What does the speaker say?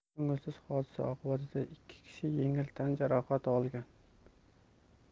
ko'ngilsiz hodisa oqibatida ikki kishi yengil tan jarohati olgan